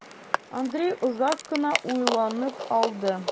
Андрей озак кына уйланып алды.